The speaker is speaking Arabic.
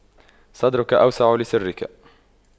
صدرك أوسع لسرك